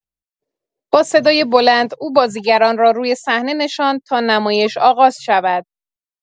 با صدای بلند، او بازیگران را روی صحنه نشاند تا نمایش آغاز شود